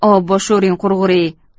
obbo sho'ring qurg'ur ey